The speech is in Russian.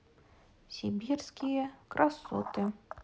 сибирские красоты